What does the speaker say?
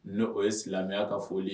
Ne o ye silamɛya ka foli